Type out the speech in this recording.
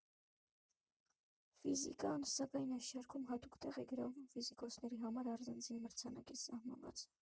Ֆիզիկան, սակայն, այս շարքում հատուկ տեղ է գրավում՝ ֆիզիկոսների համար առանձին մրցանակ է սահմանված։